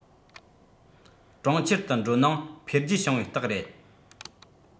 གྲོང ཁྱེར དུ འགྲོ ནང འཕེལ རྒྱས བྱུང བའི རྟགས རེད